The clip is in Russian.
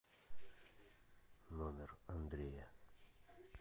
номер андрея